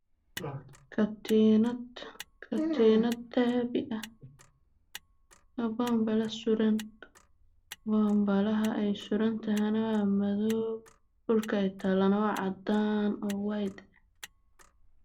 Waa katiinad dahabi ah oo boonbalo suran